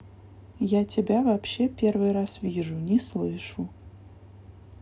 я тебя вообще первый раз вижу не слышу